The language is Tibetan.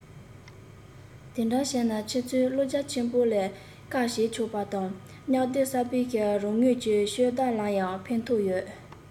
དེ འདྲ བྱས ན ཁྱེད ཚོས བློ རྒྱ ཆེན པོས ལས ཀ བྱེད ཆོག པ དང མཉམ སྡེབ གསར པའི རང ངོས ཀྱི སྦྱོང བརྡར ལ ཡང ཕན ཐོགས ཡོད